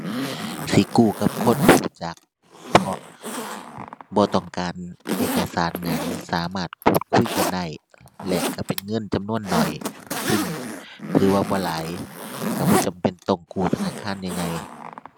สิกู้กับคนรู้จัก เพราะ บ่ต้องการเอกสารหยัง สามารถพูดคุยกันได้และรู้เป็นเงินจำนวนน้อย ซึ่ง ถือว่าบ่หลาย รู้บ่จำเป็นต้องกู้ธนาคารใหญ่ใหญ่